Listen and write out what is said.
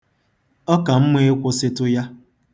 Ọ ka mma ịkwụsịtụ onyoonyo ahụ.